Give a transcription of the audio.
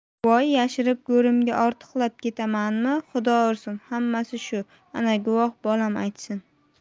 voy yashirib go'rimga ortmoqlab ketamanmi xudo ursin hammasi shu ana guvoh bolam aytsin